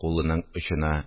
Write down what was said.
Кулының очына